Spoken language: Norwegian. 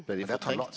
blei dei fortrengt?